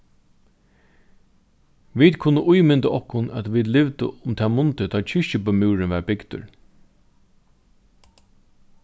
vit kunnu ímynda okkum at vit livdu um tað mundið tá ið kirkjubømúrurin varð bygdur